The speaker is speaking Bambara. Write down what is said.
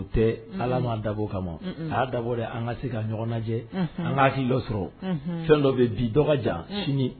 O tɛ, unhun, Ala m'a dabɔ o kama o,unhun,a y'a dabɔ an ka se ka ɲɔgɔn lajɛ ,unhun, an ka hakili dɔ sɔrɔ, unhun, fɛn dɔ bɛ yen bi dɔ ka jan